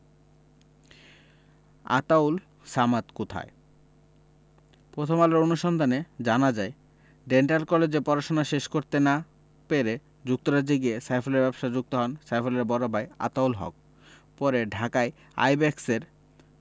আতাউল সামাদ কোথায় পথম আলোর অনুসন্ধানে জানা যায় ডেন্টাল কলেজে পড়াশোনা শেষ করতে না পেরে যুক্তরাজ্যে গিয়ে সাইফুলের ব্যবসায় যুক্ত হন সাইফুলের বড় ভাই আতাউল হক পরে ঢাকায় আইব্যাকসের